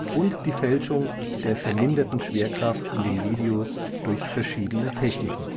und die Fälschung der verminderten Schwerkraft in den Videos durch verschiedene Techniken